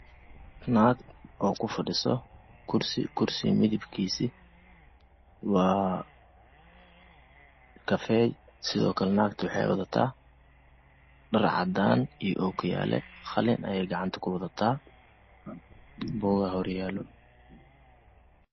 Waa naag ku fadhido kursi